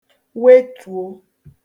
wetùo